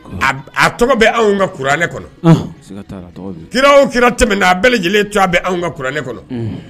A tɔgɔ bɛ ka kuran ne kɔnɔ kira kira tɛm a bɛɛ lajɛlen t bɛ anw kauranɛ kɔnɔ